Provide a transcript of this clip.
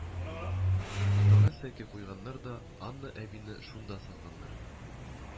Уртага сәке куйганнар да Анна әбине шунда салганнар